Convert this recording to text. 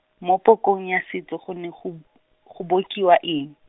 mo pokong ya setso gone go b-, go bokiwa eng?